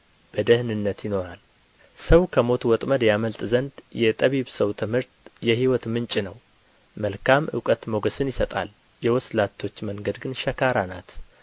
በደኅንነት ይኖራል ሰው ከሞት ወጥመድ ያመልጥ ዘንድ የጠቢብ ሰው ትምህርት የሕይወት ምንጭ ነው መልካም እውቀት ሞገስን ይሰጣል የወስላቶች መንገድ ግን ሸካራ ናት